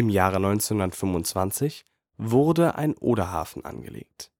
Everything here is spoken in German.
Jahre 1925 wurde ein Oderhafen angelegt